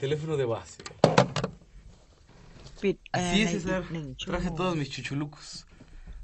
ปิดแอร์ในอีกหนึ่งชั่วโมง